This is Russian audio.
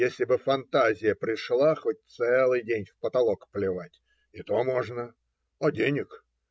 если бы фантазия пришла хоть целый день в потолок плевать, и то можно. А денег.